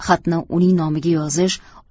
xatni uning nomiga yozish